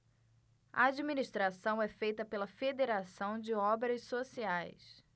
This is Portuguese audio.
a administração é feita pela fos federação de obras sociais